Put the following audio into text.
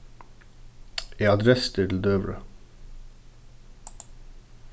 eg át restir til døgurða